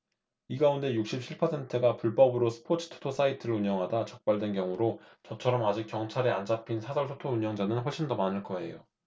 이 가운데 육십 칠 퍼센트가 불법으로 스포츠 토토 사이트를 운영하다 적발된 경우로 저처럼 아직 경찰에 안 잡힌 사설 토토 운영자는 훨씬 더 많을 거예요